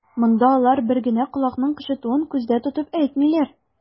Монда алар бер генә колакның кычытуын күздә тотып әйтмиләр.